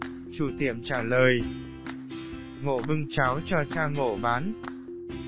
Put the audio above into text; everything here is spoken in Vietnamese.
chủ tiệm ngộ bưng cháo cho cha ngộ bán